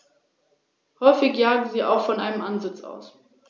Insgesamt sind dies knapp 10 % der Fläche des Biosphärenreservates.